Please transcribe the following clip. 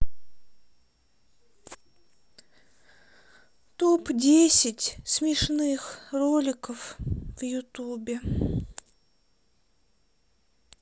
топ десять смешных роликов в ютубе